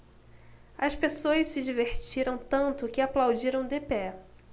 as pessoas se divertiram tanto que aplaudiram de pé